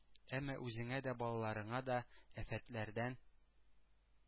Әмма үзеңне дә, балаларыңны да афәтләрдән,